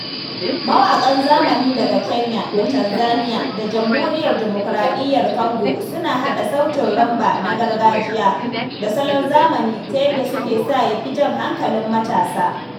Mawaƙan zamani daga Kenya da Tanzania da Jamhuriyar Dimokuraɗiyyar Congo suna haɗa sautin Rhumba na gargajiya da salon zamani, ta yadda suke sa ya fi jan hankalin matasa.